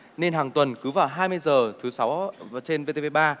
nên hàng tuần cứ vào hai mươi giờ thứ sáu trên vê tê vê ba